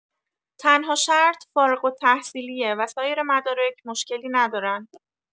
تنها شرط، فارغ‌التحصیلیه و سایر مدارک مشکلی ندارن.